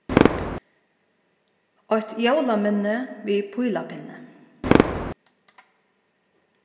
eitt jólaminni við pílapinni